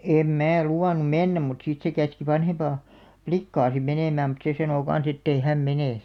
en minä luvannut mennä mutta sitten se käski vanhempaa likkaa sitten menemään mutta se sanoi kanssa että ei hän mene